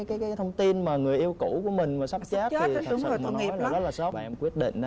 cái thông tin người yêu cũ của mình sắp chết thì em rất là sốc và em quyết định